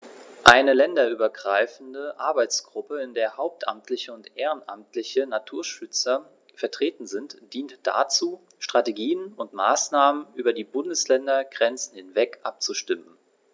Eine länderübergreifende Arbeitsgruppe, in der hauptamtliche und ehrenamtliche Naturschützer vertreten sind, dient dazu, Strategien und Maßnahmen über die Bundesländergrenzen hinweg abzustimmen.